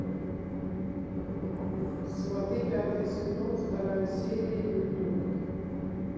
сваты пятый сезон вторая серия ютуб